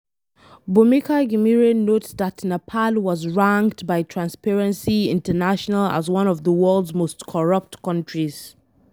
Bhumika Ghimire notes that Nepal was ranked by Transparency International as one of the world's most corrupt countries.